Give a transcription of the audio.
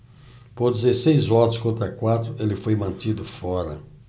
por dezesseis votos contra quatro ele foi mantido fora